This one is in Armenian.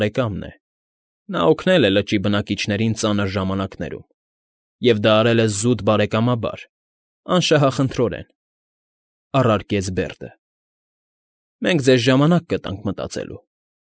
Բարեկամն է, նա օգնել է լճի բնակիչներին ծանր ժամանակներում և դա արել է զուտ բարեկամաբար, անշահախնդրորեն,֊ առարկեց Բերդը։֊ Մենք ձեզ ժամանակ կտանք մտածելու։